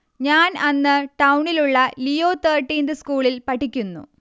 ഞാൻ അന്ന് ടൗണിലുള്ള ലിയോ തേർട്ടീന്ത് സ്കൂളിൽ പഠിക്കുന്നു